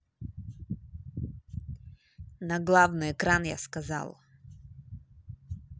на главный экран я сказал